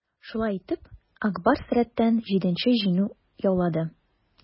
Шулай итеп, "Ак Барс" рәттән җиденче җиңү яулады.